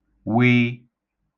w